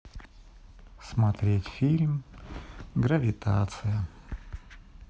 смотреть фильм гравитация